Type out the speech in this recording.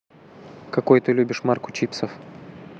какой ты любишь марку чипсов